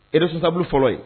Iresusa fɔlɔ yen